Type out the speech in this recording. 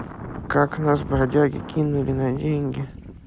как нас бродяги кинули на деньги